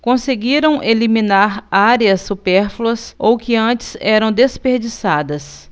conseguiram eliminar áreas supérfluas ou que antes eram desperdiçadas